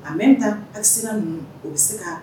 A bɛ ta a siran ninnu o bɛ se ka